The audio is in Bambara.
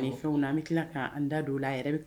Bɛ da don la